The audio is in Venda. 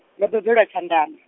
ndo bebelwa Tshandama.